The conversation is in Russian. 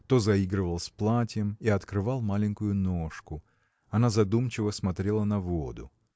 то заигрывал с платьем и открывал маленькую ножку. Она задумчиво смотрела на воду.